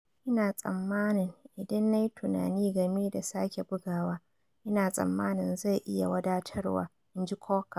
"Ina tsammanin idan na yi tunani game da sake bugawa, ina tsammanin zai iya wadatarwa," in ji Coker.